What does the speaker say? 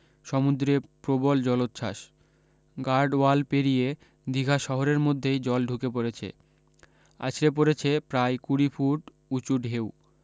সমুদ্রে প্রবল জলোচ্ছ্বাস গার্ড ওয়াল পেরিয়ে দিঘা শহরের মধ্যেই জল ঢুকে পড়েছে আছড়ে পড়েছে প্রায় কুড়ি ফুট উঁচু ঢেউ